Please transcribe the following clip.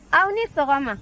aw ni sɔgɔma